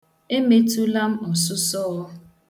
Emetula m ọsụsọọ